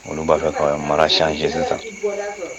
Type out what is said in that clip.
Olu b'a fɛ ka mara changer sisan.